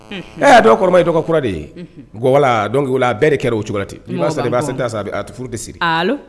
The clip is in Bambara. E y'a dɔn kɔrɔ ye dɔgɔ kura de ye wala la a bɛɛ de kɛra o cogo' a furu de siri